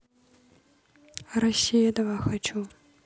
россия два хочу